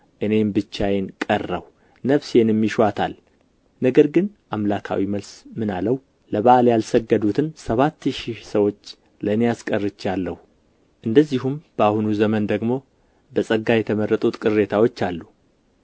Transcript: እኔም ብቻዬን ቀረሁ ነፍሴንም ይሹአታል ነገር ግን አምላካዊ መልስ ምን አለው ለበአል ያልሰገዱትን ሰባት ሺህ ሰዎች ለእኔ አስቀርቼአለሁ እንደዚሁም በአሁን ዘመን ደግሞ በጸጋ የተመረጡ ቅሬታዎች አሉ